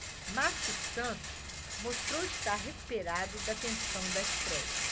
márcio santos mostrou estar recuperado da tensão da estréia